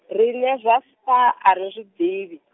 riṋe zwa Spar ari zwi nḓivhi.